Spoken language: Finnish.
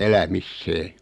elämiseen